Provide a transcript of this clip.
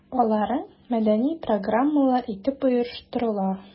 Алары мәдәни программалар итеп оештырыла.